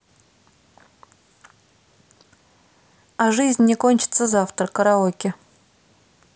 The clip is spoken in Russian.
а жизнь не кончится завтра караоке